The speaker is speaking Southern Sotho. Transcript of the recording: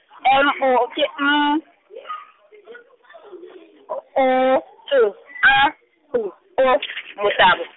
M O, ke M , O T A B O, motabo.